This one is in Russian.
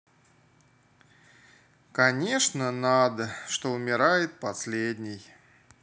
конечно надо что умирает последней